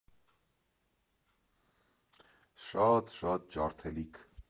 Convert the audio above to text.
Շաատ շատ ջարդելիք։